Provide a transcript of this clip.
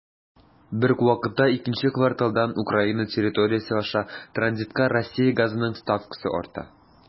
Бер үк вакытта икенче кварталдан Украина территориясе аша транзитка Россия газының ставкасы арта.